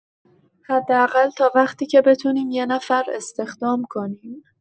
حداقل تا وقتی که بتونیم یه نفر استخدام کنیم.